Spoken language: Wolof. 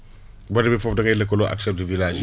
boo demee foofu da ngay lëkkaloo ak chefs de village yi